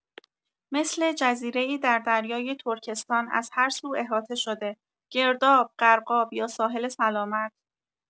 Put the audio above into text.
مثل جزیره‌ای در دریای ترکستان از هرسو احاطه شده؛ گرداب، غرقاب یا ساحل سلامت؟